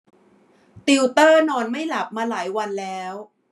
ติวเตอร์นอนไม่หลับมาหลายวันแล้ว